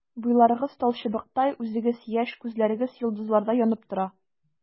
Буйларыгыз талчыбыктай, үзегез яшь, күзләрегез йолдызлардай янып тора.